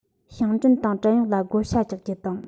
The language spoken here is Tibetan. ཞིང བྲན དང བྲན གཡོག ལ བགོ བཤའ རྒྱག རྒྱུ དང